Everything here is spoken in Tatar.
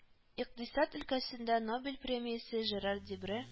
Икътисад өлкәсендә Нобель премиясе Жерар Дебре